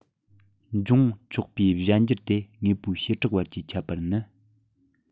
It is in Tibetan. འབྱུང ཆོག པའི གཞན འགྱུར དེ དངོས པོའི བྱེ བྲག བར གྱི ཁྱད པར ནི